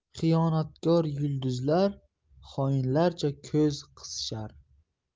xiyonatkor yulduzlar xoinlarcha ko'z qisishar